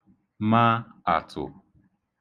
mā àtụ̀